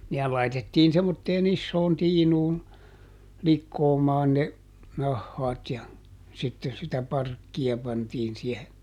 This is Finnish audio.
nehän laitettiin semmoiseen isoon tiinuun likoamaan ne nahat ja sitten sitä parkkia pantiin siihen